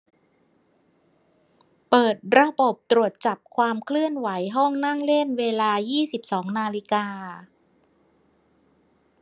เปิดระบบตรวจจับความเคลื่อนไหวห้องนั่งเล่นเวลายี่สิบสองนาฬิกา